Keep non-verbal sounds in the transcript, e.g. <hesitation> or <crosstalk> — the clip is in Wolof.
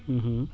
<hesitation> <hesitation>